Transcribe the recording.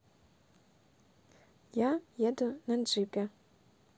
я еду на джипе